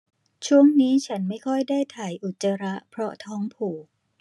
ช่วงนี้ฉันไม่ค่อยได้ถ่ายอุจจาระเพราะท้องผูก